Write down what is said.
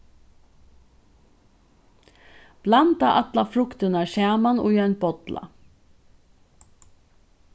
blanda allar fruktirnar saman í ein bolla